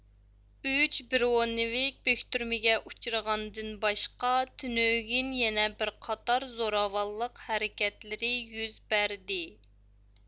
ئۈچ برونېۋىك بۆكتۈرمىگە ئۇچرىغاندىن باشقا تۈنۈگۈن يەنە بىر قاتار زوراۋانلىق ھەرىكەتلىرى يۈز بەردى